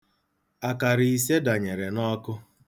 Akara ise danyere n'ọkụ.